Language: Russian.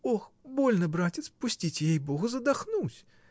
— Ох, больно, братец, пустите, ей-богу, задохнусь!